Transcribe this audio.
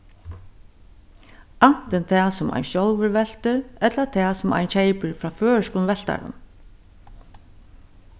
antin tað sum ein sjálvur veltur ella tað sum ein keypir frá føroyskum veltarum